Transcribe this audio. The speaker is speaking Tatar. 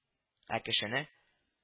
Ә кешене